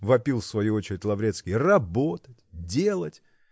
-- вопил в свою очередь Лаврецкий. -- Работать. делать.